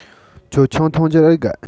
ཁྱོད ཆང འཐུང རྒྱུར འུ དགའ